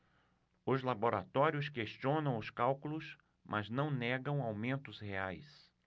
os laboratórios questionam os cálculos mas não negam aumentos reais